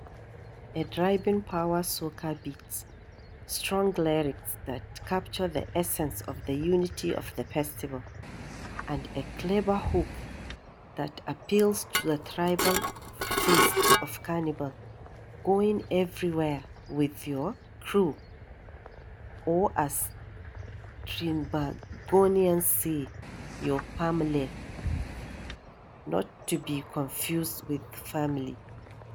a driving "power soca" beat, strong lyrics that capture the essence of the unity of the festival, and a clever hook that appeals to the tribal facet of Carnival — going everywhere with your crew, or as Trinbagonians say, your "famalay" (not to be confused with "family"):